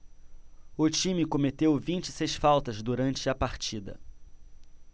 o time cometeu vinte e seis faltas durante a partida